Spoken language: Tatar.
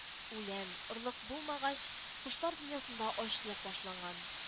Үлән, орлык булмагач, кошлар дөньясында ачлык башланган